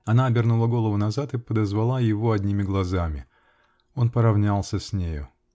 Она обернула голову назад и подозвала его одними глазами. Он поравнялся с нею.